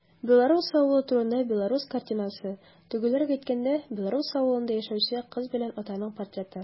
Белорус авылы турында белорус картинасы - төгәлрәк әйткәндә, белорус авылында яшәүче кыз белән атаның портреты.